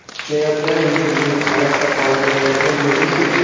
uchayotgan yulduzning falakda qoldirayotgan nurli izi